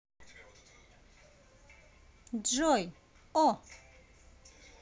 joy о